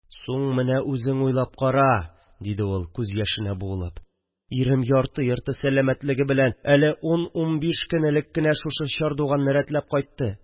– суң менә үзең уйлап кара, – диде ул күз яшенә буылып, – ирем ярты-йорты сәләмәтлеге белән әле ун-ун-биш көн элек кенә шушы чардуганны рәтләп кайтты